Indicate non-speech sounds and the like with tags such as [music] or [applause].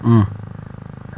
[hesitation] [noise]